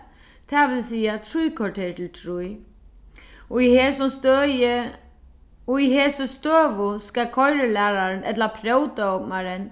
tað vil siga trý korter til trý í hesum støði í hesi støðu skal koyrilærarin ella próvdómarin